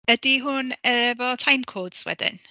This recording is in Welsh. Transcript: Ydy hwn efo timecodes wedyn?